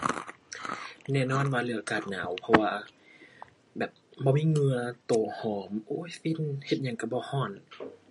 แน่นอนว่าเลือกอากาศหนาว เพราะว่าแบบบ่มีเหงื่อตัวหอม โอ๊ย ฟินเฮ็ดหยังตัวบ่ตัว